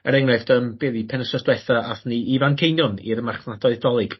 Er enghraifft yym be o'dd 'i penwsos dwetha athon ni i Fanceinion i'r marchnadoedd Dolig.